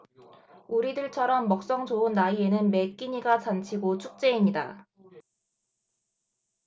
우리들처럼 먹성 좋은 나이에는 매 끼니가 잔치고 축제입니다